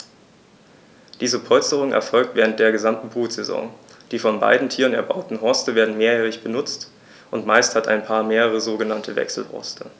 Diese Polsterung erfolgt während der gesamten Brutsaison. Die von beiden Tieren erbauten Horste werden mehrjährig benutzt, und meist hat ein Paar mehrere sogenannte Wechselhorste.